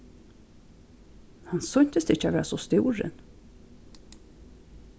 hann sýntist ikki at vera so stúrin